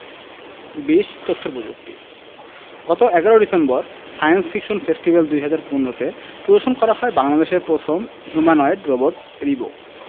২০ তথ্য প্রযুক্তি গত ১১ ডিসেম্বর সায়েন্স ফিকশন ফেস্টিভ্যাল ২০১৫ তে প্রদর্শন করা হয় বাংলাদেশের প্রথম হিউম্যানোয়েড রোবট রিবো